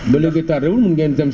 mais loolu yëpp tardé wul mun ngeen dem